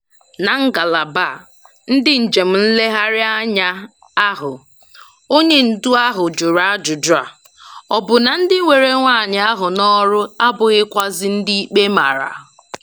Na ngalaba a nke njem nlegharị anya ahụ, onye ndu ahụ jụrụ ajụjụ a: ọ bụ na ndị were nwaanyị ahụ n'ọrụ abụghịkwazị ndị ikpe mara?